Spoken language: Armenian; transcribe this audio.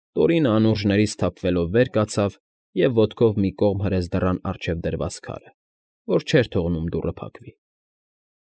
Տորինը անուրջներից սթափվելով վեր կացավ և ոտքով մի կողմ հրեց դռան առջև դրված քարը, որ չէր թողնում դուռը փակվի։